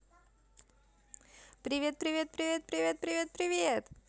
привет привет привет привет привет привет